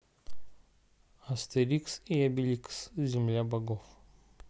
астерикс и обеликс земля богов